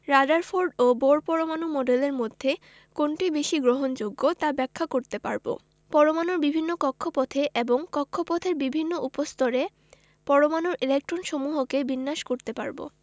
Rutherford ও Bohr পরমাণু মডেলের মধ্যে কোনটি বেশি গ্রহণযোগ্য তা ব্যাখ্যা করতে পারব পরমাণুর বিভিন্ন কক্ষপথে এবং কক্ষপথের বিভিন্ন উপস্তরে পরমাণুর ইলেকট্রনসমূহকে বিন্যাস করতে পারব